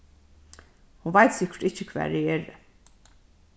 hon veit sikkurt ikki hvar eg eri